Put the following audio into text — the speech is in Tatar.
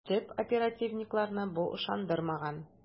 Тик оперативникларны бу ышандырмаган ..